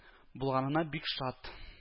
Булганына бик шат